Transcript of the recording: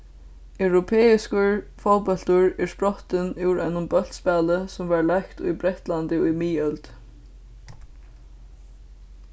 europeiskur fótbóltur er sprottin úr einum bóltspæli sum varð leikt í bretlandi í miðøld